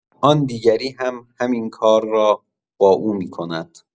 آن دیگری هم همین کار را با او می‌کند.